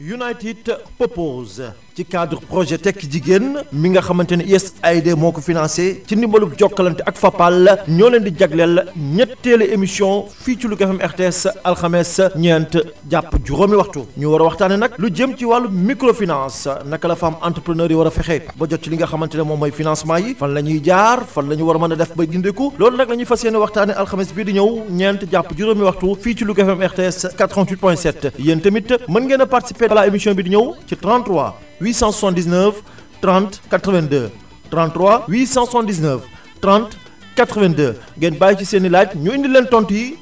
United Purpose ci cadre projet tekki jigéen mi nga xamante ne USAID moo ko financé ci ndimbalu Jokalante ak Fapal ñoo leen di jagleen ñetteelu émission fii ci Louga FM RTS alxames ñeent jàpp juróomi waxtu ñu war a waxtaanee nag lu jëm ci wàllum microfinance naka la femme entrepreneur di war a fexe ba jot ci lii nga xamante ne moom mooy financement yi fan lañuy jaar fan laénu war a mën a def ba gindeeku loolu nag lañu fas yéene waxtaanee alxames bii di ñëw ñeent jàpp juróomi waxtu fii ci Louga FM RTS 88.7 yéen itam mën ngeen a participé balaa émission bi di ñëw ci 33 879 30 82 33 879 30 82 ngeen bàyyi ci seen i laaj ñu indil leen tontu yi